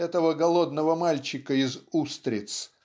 этого голодного мальчика из "Устриц"